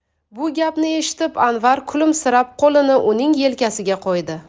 bu gapni eshitib anvar kulimsirab qo'lini uning yelkasiga qo'ydi